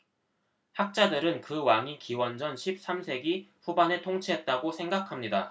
학자들은 그 왕이 기원전 십 삼 세기 후반에 통치했다고 생각합니다